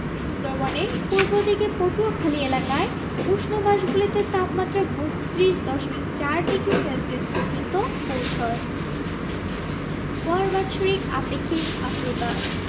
সুন্দরবনের পূর্ব দিকে পটুয়াখালী এলাকায় উষ্ণ মাসগুলিতে তাপমাত্রা ৩২ দশমিক ৪ ডিগ্রি সেলসিয়াস পর্যন্ত পৌঁছয় গড় বাৎসরিক আপেক্ষিক আর্দ্রতা